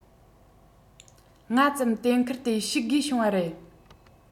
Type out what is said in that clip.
སྔ ཙམ གཏན འཁེལ དེ བཤིག དགོས བྱུང བ རེད